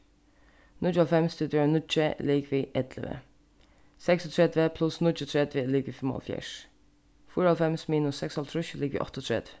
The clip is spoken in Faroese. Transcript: níggjuoghálvfems dividera við níggju er ligvið ellivu seksogtretivu pluss níggjuogtretivu er ligvið fimmoghálvfjerðs fýraoghálvfems minus seksoghálvtrýss er ligvið áttaogtretivu